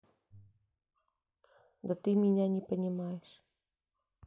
да ты меня не понимаешь